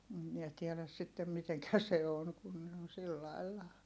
- minä tiedä sitten miten se on kun ne on sillä lailla